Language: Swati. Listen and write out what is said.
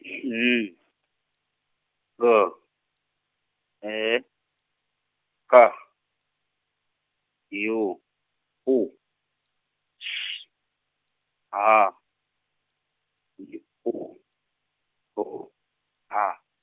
N G E K yo U S H B A.